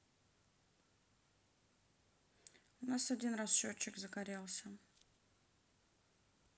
а у нас один раз счетчик загорелся